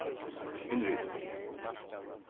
innrita